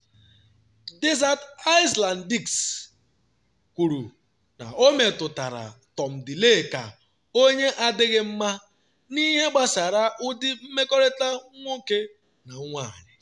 Desert Island Discs: Ọ metụtara Tom Daley ka “onye adịghị mma “ n’ihe gbasara ụdị mmekọrịta nwoke na nwanyị